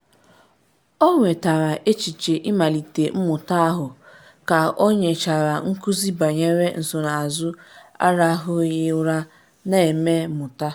Ọ nwetara echiche ịmalite mmụta ahụ ka ọ nyechara nkuzi banyere nsonazụ arahụghị ụra na-eme mmụta.